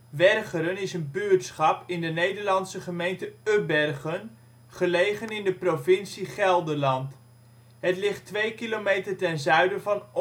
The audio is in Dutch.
Wercheren is een buurtschap in de Nederlandse gemeente Ubbergen, gelegen in de provincie Gelderland. Het ligt twee kilometer ten zuiden van